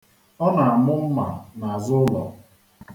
Ọ na-amụ mma n'azụ ụlọ.